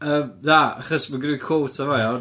yym na, achos ma' gynna fi quote yn fama iawn.